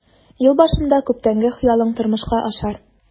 Ел башында күптәнге хыялың тормышка ашар.